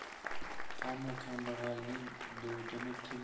ammo kambag'alning dodini